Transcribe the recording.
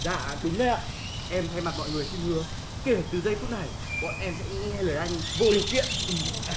dạ đúng đấy ạ em thay mặt mọi người xin hứa kể từ giây phút này bọn em sẽ nghe lời anh vô điều kiện